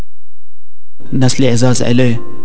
الناس العزاز